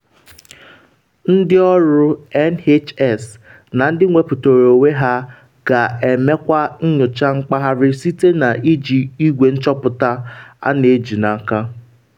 Ndị ọrụ NHS na ndị wepụtara onwe ha ga-emekwa nyocha mkpagharị site na n’iji igwe nchọpụta a na-eji n’aka.